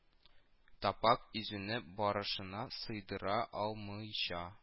Таптап изүне башына сыйдыра алмыйча